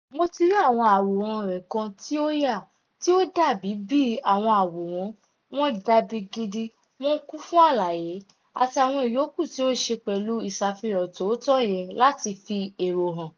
Mo ti rí àwọn àwòrán rẹ kan tí ó yà tí ó dàbí bíi àwọn àwòrán, wọ́n dabi gidi, wọ́n kún fún àlàyé...àti àwọn ìyókù tí o ṣe pẹ̀lú ìsàfihàn tòótọ́ yẹn láti fi èrò hàn.